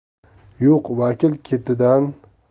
yo'q vakil ketidan